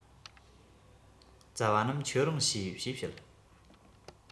ཙ བ རྣམས ཁྱེད རང བྱོས ཞེས བཤད